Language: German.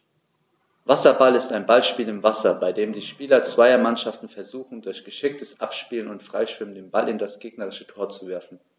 Wasserball ist ein Ballspiel im Wasser, bei dem die Spieler zweier Mannschaften versuchen, durch geschicktes Abspielen und Freischwimmen den Ball in das gegnerische Tor zu werfen.